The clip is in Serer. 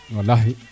walahi